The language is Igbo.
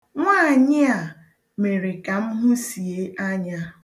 Nwaanyị a mere ka m hụsie anya.